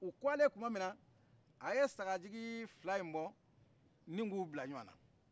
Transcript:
u kɔkɔlen tumamina a ye sagajigi fila yin bɔ nin k'u bila ɲɔgɔna